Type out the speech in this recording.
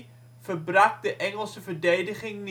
verbrak de Engelse verdediging niet. De